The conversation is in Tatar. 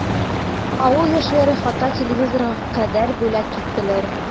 Авыл яшьләре хәтта телевизорга кадәр бүләк иттеләр.